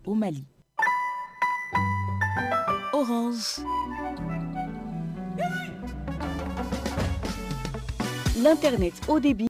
Ɔn tɛ o de